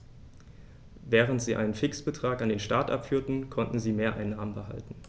Während sie einen Fixbetrag an den Staat abführten, konnten sie Mehreinnahmen behalten.